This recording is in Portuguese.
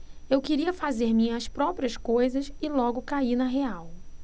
eu queria fazer minhas próprias coisas e logo caí na real